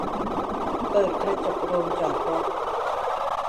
เปิดกระจกโรงจอดรถ